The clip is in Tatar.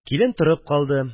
Килен торып калды